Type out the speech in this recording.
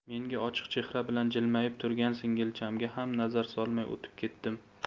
menga ochiq chehra bilan jilmayib turgan singilchamga ham nazar solmay o'tib ketdim